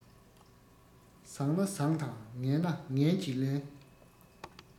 བཟང ན བཟང དང ངན ན ངན གྱིས ལན